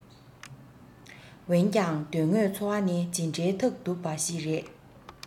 འོན ཀྱང དོན དངོས འཚོ བ ནི ཇི འདྲའི ཐབས སྡུག པ ཞིག རེད